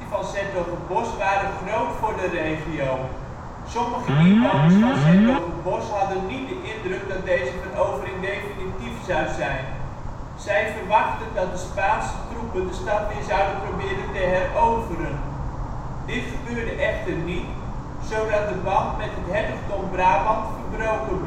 waren groot voor de regio. Sommige inwoners van ' s-Hertogenbosch hadden niet de indruk, dat deze verovering definitief zou zijn. Zij verwachtten dat de Spaanse troepen de stad weer zouden proberen te heroveren. Dit gebeurde echter niet, zodat de band met het Hertogdom Brabant verbroken bleef